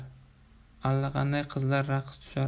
allaqanday qizlar raqs tushar